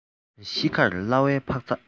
ཤི ཁར གླ བའི འཕག ཚག